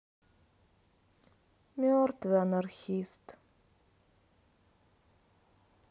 мертвый анархист